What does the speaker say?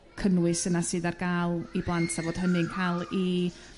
cynnwys yna sydd ar ga'l i blant â fod hynny yn ca'l 'i